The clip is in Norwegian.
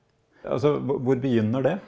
altså hvor begynner det?